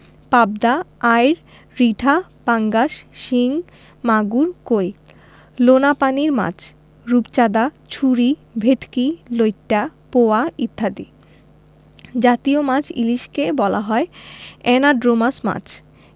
পাবদা আইড় রিঠা পাঙ্গাস শিং মাগুর কৈ লোনাপানির মাছ রূপচাঁদা ছুরি ভেটকি লইট্ট পোয়া ইত্যাদি জতীয় মাছ ইলিশকে বলা হয় অ্যানাড্রোমাস মাছ